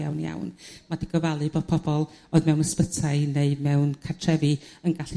iawn iawn ma' 'di gofalu bod pobol o'dd mewn ysbytai neu mewn cartrefi yn gallu